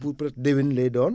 pour peut être déwén lay doon